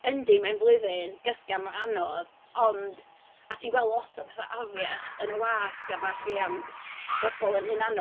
Yndi, mae'n flwyddyn gythgiam o anodd, ond... a ti'n gweld lot o bethau afiach yn y wasg a ballu am bobl yn hunanol.